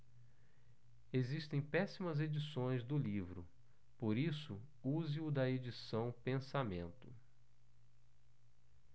existem péssimas edições do livro por isso use o da edição pensamento